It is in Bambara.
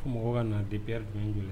Fo mɔgɔ ka na tɛp jumɛn gɛlɛ